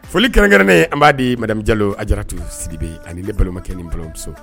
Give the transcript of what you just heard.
Foli kɛrɛnkɛrɛnnen an b'a dii madame Diallo Adiaratou Sidibe ani ne balimakɛ ni n balimamuso